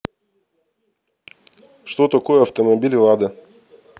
что такое автомобиль лада